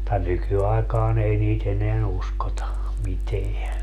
mutta nykyaikana ei niitä enää uskota mitään